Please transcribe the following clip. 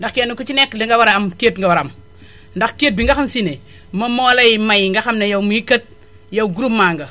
ndax kenn ku ci nekk li nga war a am kayit nga war a am ndax kayit bi nga xam si ne moom moo lay may nga xam ne yow mii kat yow groupement nga